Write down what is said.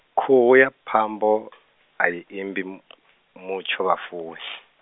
khuhu ya phambo , ayi imbi m- mutsho vhafuwi .